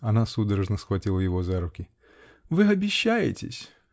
Она судорожно схватила его за руки. -- Вы обещаетесь?